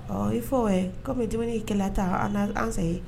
Ɔ i fɔo kɔmi bɛ dumuni kɛlɛ ta ansa